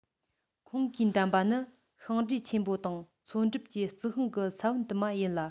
ཁོང གིས བདམས པ ནི ཤིང འབྲས ཆེན པོ དང མཚོ འགྲམ གྱི རྩི ཤིང གི ས བོན དུ མ ཡིན ལ